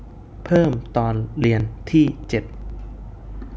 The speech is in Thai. เพิ่มตอนเรียนที่เจ็ด